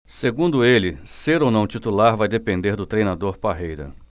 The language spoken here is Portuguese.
segundo ele ser ou não titular vai depender do treinador parreira